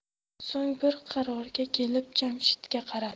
so'ng bir qarorga kelib jamshidga qaradi